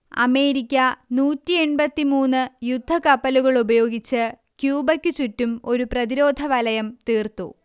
America നൂറ്റിയെൺപത്തി മൂന്ന് യുദ്ധക്കപ്പലുകളുപയോഗിച്ച് ക്യൂബക്കു ചുറ്റും ഒരു പ്രതിരോധവലയം തീർത്തു